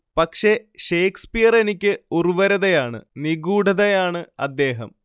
പക്ഷേ, ഷേക്സ്പിയറെനിക്ക് ഉർവരതയാണ്, നിഗൂഢതയാണ് അദ്ദേഹം